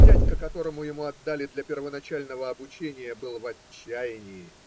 Дядька, которому его отдали для первоначального обучения, был в отчаянии.